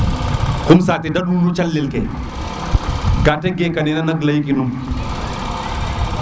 kum sate dandu no caleel ke kate geka nena koy ley kinum